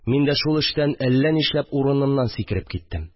Мин дә шул эштән әллә нишләп урынымнан сикереп киттем